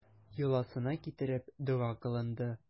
Йоласына китереп, дога кылынды.